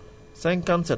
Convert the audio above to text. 57